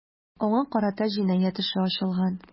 Аңа карата җинаять эше ачылган.